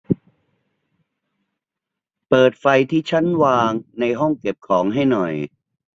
เปิดไฟที่ชั้นวางในห้องเก็บของให้หน่อย